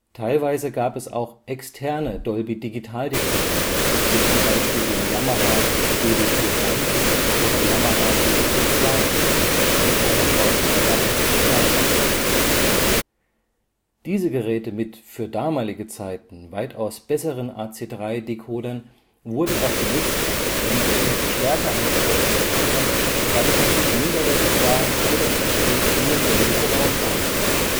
Teilweise gab es auch externe Dolby-Digital-Decoder (wie zum Beispiel den Yamaha DDP-1 oder DDP-2) mit eingebautem RF-Signal-Wandler. Diese Geräte mit (für damalige Zeiten) weitaus besseren AC3-Decodern wurden auch genutzt, wenn der im Verstärker eingebaute Decoder qualitativ minderwertig war oder schlichtweg nur Dolby Surround vorhanden war